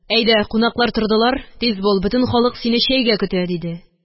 – әйдә, кунаклар тордылар. тиз бул! бөтен халык сине чәйгә көтә! – диде